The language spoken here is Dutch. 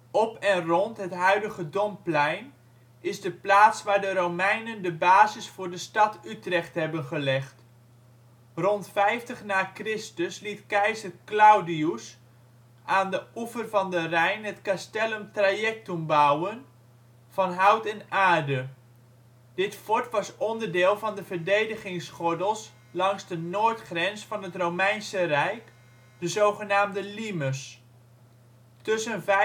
Op en rond het huidige Domplein is de plaats waar de Romeinen de basis voor de stad Utrecht hebben gelegd. Rond 50 na Chr. liet keizer Claudius aan de oever van de Rijn het castellum Traiectum bouwen van hout en aarde. Dit fort was onderdeel van de verdedigingsgordel langs de noordgrens van het Romeinse Rijk, de zogenaamde limes. Tussen 50 en 270 na Chr.